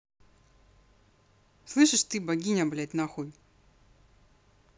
слышишь ты богиня блядь нахуй